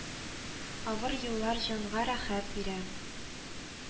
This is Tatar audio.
Авыр юллар җанга рәхәт бирә